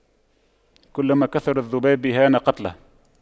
كلما كثر الذباب هان قتله